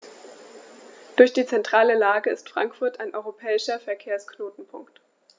Durch die zentrale Lage ist Frankfurt ein europäischer Verkehrsknotenpunkt.